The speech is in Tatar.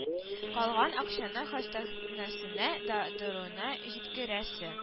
Калган акчаны хастаханәсенә дә даруына да җиткерәсе